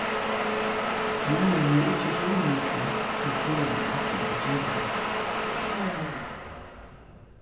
maðurin hevði ikki hóming av hví konan ætlaði at gera hatta